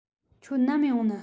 ཁྱོད ནམ ཡོང ནི